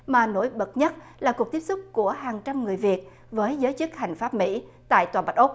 mà nổi bật nhất là cuộc tiếp xúc của hàng trăm người việt với giới chức hành pháp mỹ tại tòa bạch ốc